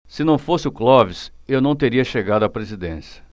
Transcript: se não fosse o clóvis eu não teria chegado à presidência